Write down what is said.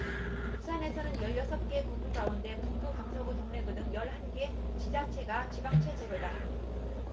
부산에서는 열 여섯 개 구 군 가운데 북구 강서구 동래구 등 열 한 개 지자체가 지방채 제로다